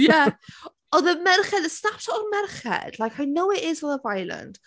Ie! Oedd y merched, y snapshot o'r merched like, I know it is Love Island...